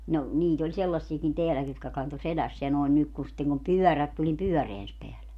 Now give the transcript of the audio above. no niitä oli sellaisiakin täälläkin jotka kantoi selässään noin nyt kun sitten kun pyörät tuli niin pyöränsä päällä